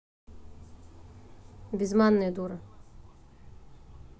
без манная дура